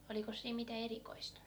olikos siinä mitään erikoista